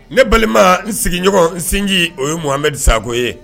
Ne balima n sigiɲɔgɔn n singin o ye mohamed sako ye